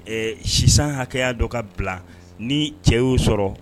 Ɛɛ sisan hakɛya dɔ ka bila ni cɛ y sɔrɔ